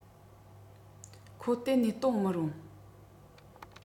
ཁོ གཏན ནས གཏོང མི རུང